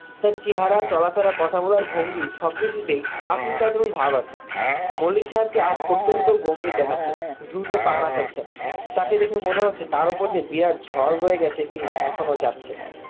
তার চেহারা চলাফেরা কথা বলার ভঙ্গিতে কার্টুনভাব আছে মল্লিক সাহেবকে আজ অত্যন্ত গম্ভীর দেখাচ্ছে দ্রুত পা নাচাচ্ছেন তাকে দেখে মনে হচ্ছে তার ওপর দিয়ে বিরাট ঝড় বয়ে গেছে কিংবা এখনাে যাচ্ছে